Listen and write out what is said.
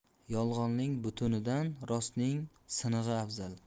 yolg'onning butunidan rostning sinig'i afzal